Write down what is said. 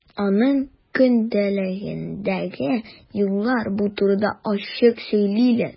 Аның көндәлегендәге юллар бу турыда ачык сөйлиләр.